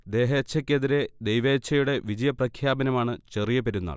ദേഹേഛക്കെതിരെ ദൈവേഛയുടെ വിജയ പ്രഖ്യാപനമാണ് ചെറിയ പെരുന്നാൾ